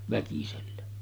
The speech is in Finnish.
väkisellä